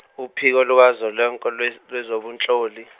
uphiko lukazwelonke lweZobunhloli.